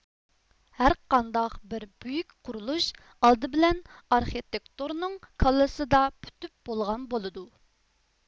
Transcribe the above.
ھەرقانداق بىر بۈيۈك قۇرۇلۇش ئالدى بىلەن ئارخېتىكتورنىڭ كاللىسىدا پۈتۈپ بولغان بولىدۇ